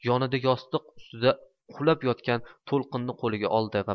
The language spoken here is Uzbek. yonida yostiq ustida uxlab yotgan to'lqinni qo'liga oldi